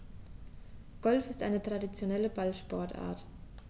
Golf ist eine traditionelle Ballsportart.